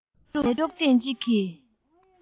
རྫས འཕྲུལ གཡུགས ཐེངས གཅིག གིས